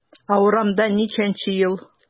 Ә урамда ничәнче ел?